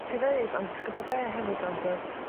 ...ti ddeud ond gwbo be' hefyd on' dw't